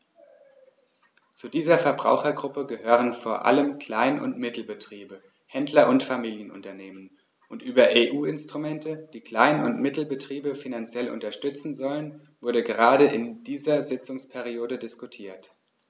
Zu dieser Verbrauchergruppe gehören vor allem Klein- und Mittelbetriebe, Händler und Familienunternehmen, und über EU-Instrumente, die Klein- und Mittelbetriebe finanziell unterstützen sollen, wurde gerade in dieser Sitzungsperiode diskutiert.